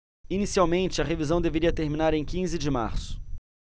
inicialmente a revisão deveria terminar em quinze de março